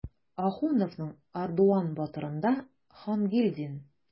Ахуновның "Ардуан батыр"ында Хангилдин.